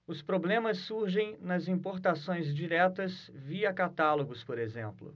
os problemas surgem nas importações diretas via catálogos por exemplo